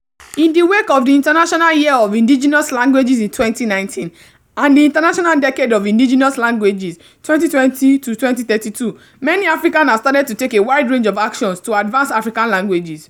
In the wake of the International Year of Indigenous Languages in 2019 and the International Decade of Indigenous Languages 2022-2032, many Africans have started to take a wide range of actions to advance African languages.